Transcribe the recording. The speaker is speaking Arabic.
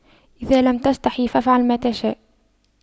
اذا لم تستحي فأفعل ما تشاء